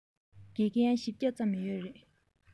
དགེ རྒན ༥༠༠ ཙམ ཡོད རེད